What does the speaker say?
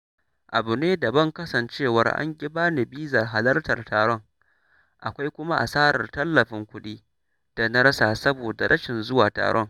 Abu ne dabam kasancewar an ƙi ba ni bizar halartar taron, akwai kuma asarar tallafin kuɗi da na rasa saboda rashin zuwa taron.